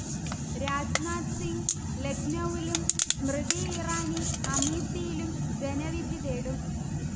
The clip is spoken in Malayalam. രാജ്നാഥ് സിംഗ് ലക്നൌവിലും സ്മൃതി ഇറാനി അമേത്തിയിലും ജനവിധി തേടും